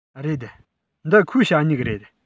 རེད འདི ཁོའི ཞ སྨྱུག རེད